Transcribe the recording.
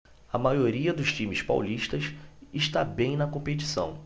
a maioria dos times paulistas está bem na competição